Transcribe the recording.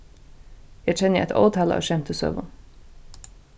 eg kenni eitt ótal av skemtisøgum